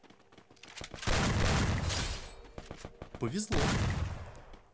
повезло